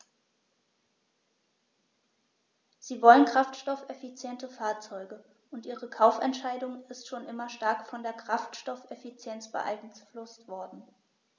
Sie wollen kraftstoffeffiziente Fahrzeuge, und ihre Kaufentscheidung ist schon immer stark von der Kraftstoffeffizienz beeinflusst worden.